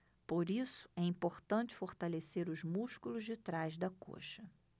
por isso é importante fortalecer os músculos de trás da coxa